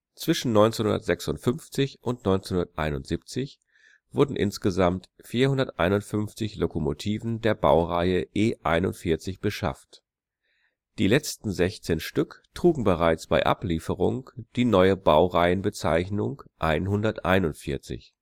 Zwischen 1956 und 1971 wurden insgesamt 451 Lokomotiven der Baureihe E 41 beschafft; die letzten 16 Stück trugen bereits bei Ablieferung die neue Baureihenbezeichnung 141